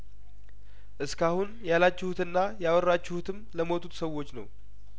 እስካሁን ያላችሁትና ያወራ ችሁትም ለሞቱት ሰዎች ነው